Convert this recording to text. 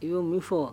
I y'o min fɔ